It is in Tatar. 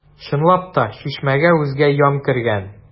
Чынлап та, чишмәгә үзгә ямь кергән.